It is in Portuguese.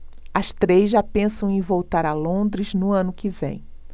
as três já pensam em voltar a londres no ano que vem